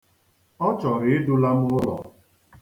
Ọ chọrọ idula m ụlọ.